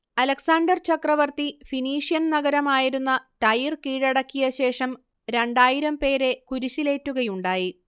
Alexander ചക്രവർത്തി Phoenician നഗരമായിരുന്ന Tyre കീഴടക്കിയശേഷം രണ്ടായിരം പേരെ കുരിശിലേറ്റുകയുണ്ടായി